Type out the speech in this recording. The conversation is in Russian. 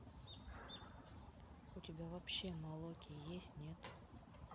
у тебя вообще молоки есть нет